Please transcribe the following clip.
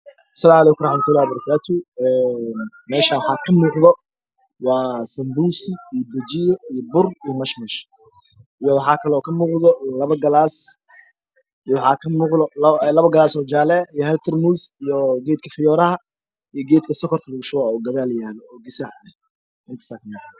Asalaaymu calaykum waraxmatulaah wabarakaru meeshan waxa ka muuqda sanbuus iyo bajiyo iyo bur iyo mashmash waxa kalo ka muuqda labo galas waxa kamuuqda labo galas oo jale iyo hal tarmuus iyo geedk fiyooreha iyo sokorta lagu shubaayey oo gadal talo oo gasac ah